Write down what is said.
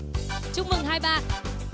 chúc mừng hai bạn